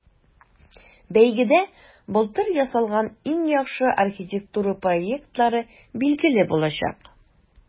Бәйгедә былтыр ясалган иң яхшы архитектура проектлары билгеле булачак.